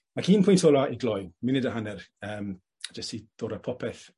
Ac un pwynt ola i gloi munud a hanner yym jyst i dod â popeth